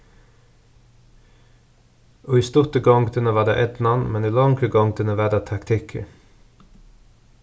í stuttu gongdini var tað eydnan men í longru gongdini var tað taktikkur